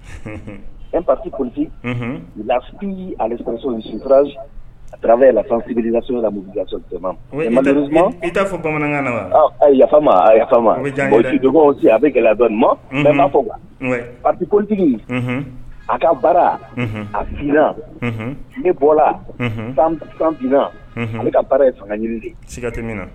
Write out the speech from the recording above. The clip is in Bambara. E pati la aliso a taara bɛ yɛlɛfin mu bamanan yafa a bɛ gɛlɛya dɔn ma bɛɛ ma fɔ patigi a ka baara afinina ne bɔra fan fanfinina ne ka baara ye fanga ɲini de